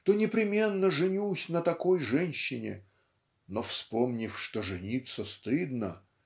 то непременно женюсь на такой женщине но вспомнив что жениться стыдно